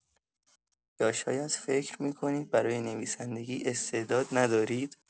یا شاید فکر می‌کنید برای نویسندگی استعداد ندارید؟